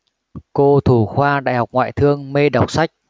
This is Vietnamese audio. cô thủ khoa đại học ngoại thương mê đọc sách